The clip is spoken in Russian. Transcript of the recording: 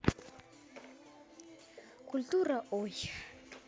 культура ой